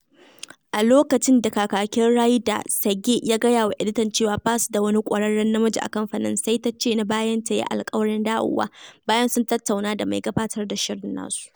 A lokacin da kakakin Reyder, Sergey, ya gaya wa editan cewa ba su da wani ƙwararren namiji a kamfanin, sai ta ce, na bayan ta yi alƙawarin dawowa bayan sun tattauna da mai gabatar da shirin nasu.